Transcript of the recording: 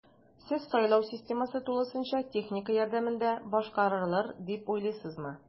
Сез сайлау системасы тулысынча техника ярдәмендә башкарарылыр дип уйлыйсызмы?